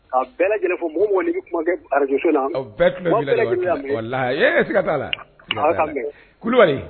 A bɛɛ fɔ mɔgɔ mɔnin kuma arajso la tun laka la kulubali